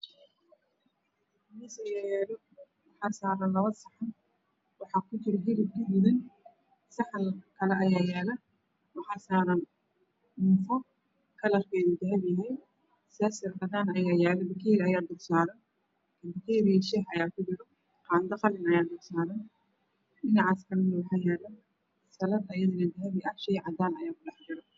Miis aya yaalo waxa saran lapa saxan waxa ku jiro hilip gaduudan saxan kala ayaa yalo waxa saran muufo kalarkeedu dahapi yaahy seesar cadaan ah ayaa yalo pakeeri cadaana aha aya saran oakeeriga shaax ayaa ku jiro qaado qalin ayaa kor saaran dhinacaas kaala waxa yalo salar dahapi ah shey cadaan ah ayaa ku dhax jiro